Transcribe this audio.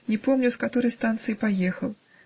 не помню, с которой станции поехал.